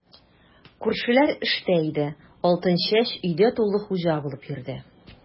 Күршеләр эштә иде, Алтынчәч өйдә тулы хуҗа булып йөрде.